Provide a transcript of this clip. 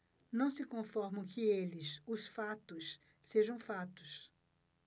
não se conformam que eles os fatos sejam fatos